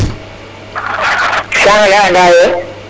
Sa a ngaranga lay ee,